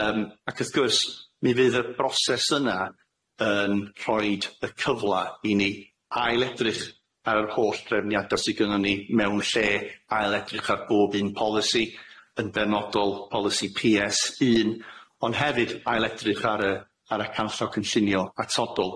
Yym ac wrth gwrs mi fydd y broses yna yn rhoid y cyfla i ni ail edrych ar yr holl drefniada sy gynnon ni mewn lle, ail edrych ar bob un polisi yn benodol polisi Pee Ess un on' hefyd ail edrych ar y ar y canllaw cynllunio atodol.